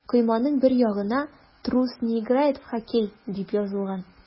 Койманың бер ягына «Трус не играет в хоккей» дип языгыз.